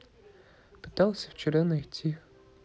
пытался вчера найти